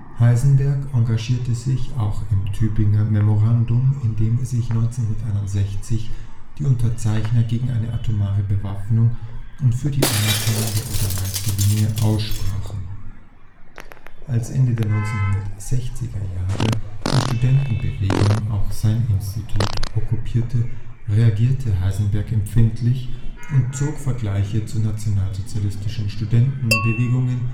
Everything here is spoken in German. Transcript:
Heisenberg engagierte sich auch im Tübinger Memorandum, in dem sich 1961 die Unterzeichner gegen eine atomare Bewaffnung und für die Anerkennung der Oder-Neiße-Grenze aussprachen. Als Ende der 1960er Jahre die Studentenbewegung auch sein Institut okkupierte, reagierte Heisenberg empfindlich und zog Vergleiche zu nationalsozialistischen Studentenbewegungen